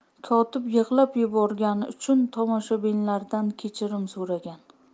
kotib yig'lab yuborgani uchun tomoshabinlardan kechirim so'ragan